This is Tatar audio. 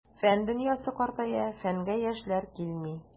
Фән дөньясы картая, фәнгә яшьләр килми.